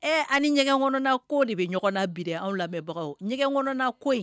Ɛ ani ɲɛgɛn kɔnɔnaanko de bɛ ɲɔgɔn na bi anw lamɛnbagaw ɲɛgɛn kɔnɔnako